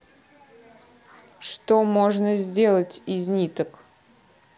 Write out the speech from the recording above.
что можно сделать из ниток